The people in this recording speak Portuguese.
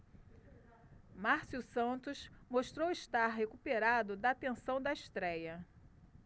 márcio santos mostrou estar recuperado da tensão da estréia